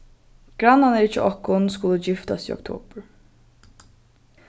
grannarnir hjá okkum skulu giftast í oktobur